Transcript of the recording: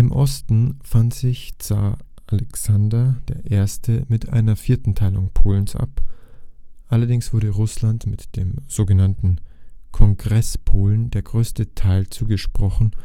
Osten fand sich Zar Alexander I. mit einer vierten Teilung Polens ab. Allerdings wurde Russland mit dem sogenannten Kongresspolen der größte Teil zugesprochen